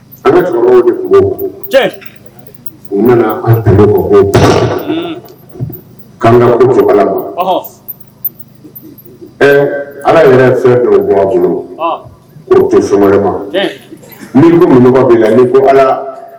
An cɛkɔrɔba u mana an ka cogo ma ɛ ala yɛrɛ fɛn dɔ b bolo o tɛ sama wɛrɛ ma min ko mun mɔgɔ bɛ ni ko ala